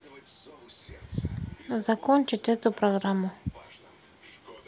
закончить эту программу